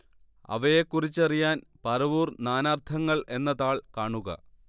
അവയെക്കുറിച്ചറിയാൻ പറവൂർ നാനാർത്ഥങ്ങൾ എന്ന താൾ കാണുക